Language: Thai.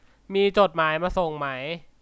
มีจดหมายมาส่งมั้ย